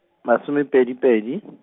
masomepedi pedi.